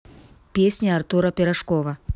песни артура пирожкова